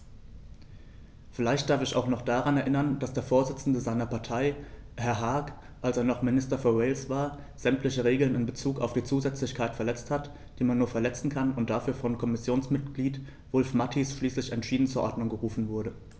Vielleicht darf ich ihn auch daran erinnern, dass der Vorsitzende seiner Partei, Herr Hague, als er noch Minister für Wales war, sämtliche Regeln in bezug auf die Zusätzlichkeit verletzt hat, die man nur verletzen kann, und dafür von Kommissionsmitglied Wulf-Mathies schriftlich entschieden zur Ordnung gerufen wurde.